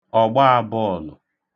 ọ̀gbaābọ̄ọ̀lụ̀